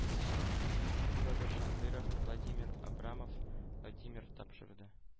Федор Шандыров, Владимир Абрамов, Владимир тапшырды.